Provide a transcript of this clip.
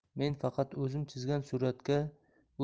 men faqat o'zim chizgan suratga